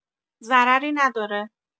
ضرری نداره